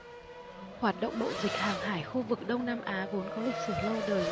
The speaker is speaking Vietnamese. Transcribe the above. hoạt động mậu dịch hàng hải khu vực đông nam á vốn có lịch sử lâu đời